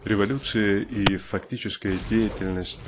Революция и фактическая деятельность